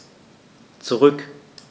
Zurück.